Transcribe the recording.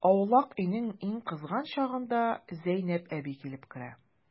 Аулак өйнең иң кызган чагында Зәйнәп әби килеп керә.